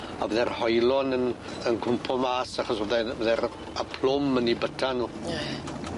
A fydde'r hoelon yn yn cwmpo mas achos fyddai'n fydde'r y y plwm yn eu byta nw. Ie ie.